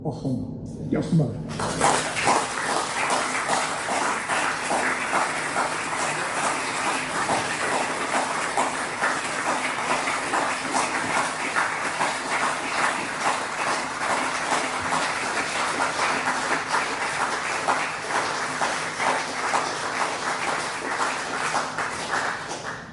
ohono. Diolch yn fawr.